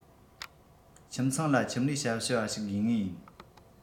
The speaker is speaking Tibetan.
ཁྱིམ ཚང ལ ཁྱིམ ལས ཞབས ཞུ བ ཞིག དགོས ངེས ཡིན